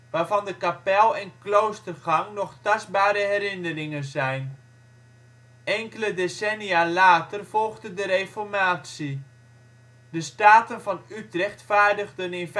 waarvan de kapel en kloostergang nog tastbare herinneringen zijn. Enkele decennia later volgde de Reformatie. De Staten van Utrecht vaardigden in